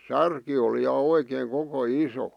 särki oli ja oikein koko iso